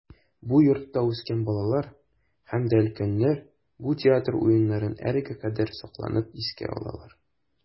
Бу йортта үскән балалар һәм дә өлкәннәр бу театр уеннарын әлегә кадәр сокланып искә алалар.